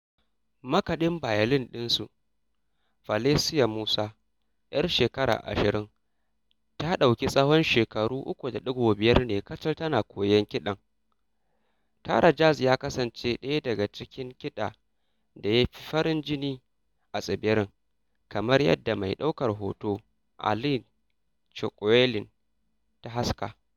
Makaɗin bayolin ɗin su, Felicia Mussa 'yar shekara 20 ta ɗauki tsahon shekaru 3.5 ne kacal tana koyon kiɗan. TaraJazz ya kasance ɗaya daga cikin kiɗan da ya fi farin jini a tsibirin, kamar yadda mai ɗaukar hoto Alline Coƙuelle ta haska: